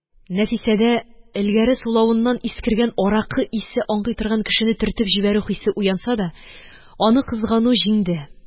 Нәфисәдә элгәре сулавыннан искергән аракы исе аңкый торган кешене төртеп җибәрү хисе уянса да, аны кызгану җиңде.